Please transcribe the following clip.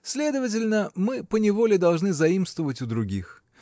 Следовательно, мы поневоле должны заимствовать у других.